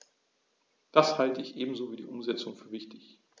Das halte ich ebenso wie die Umsetzung für wichtig.